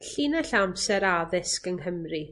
Llinell amser addysg yng Nghymru.